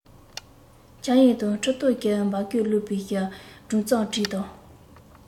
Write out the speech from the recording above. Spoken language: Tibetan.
འཆལ ཡན དང འཁྲུལ རྟོག གི འབག གོས བཀླུབས པའི སྒྲུང རྩོམ བྲིས དང